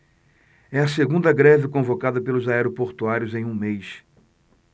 é a segunda greve convocada pelos aeroportuários em um mês